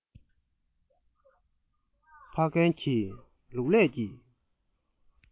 ཕ རྒན གྱིས ལུག ལྷས ཀྱི